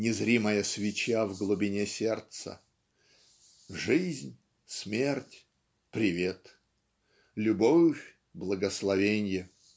незримая свеча в глубине сердца. Жизнь, смерть - привет. Любовь - благословенье".